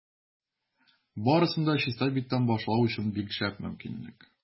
Барысын да чиста биттән башлау өчен бик шәп мөмкинлек.